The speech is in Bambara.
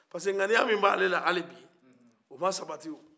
sabula ŋaniya min bɛ ale la alibi o ma sabati